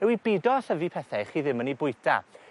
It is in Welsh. yw i bido â thyfu pethe 'ych chi ddim yn 'u bwyta.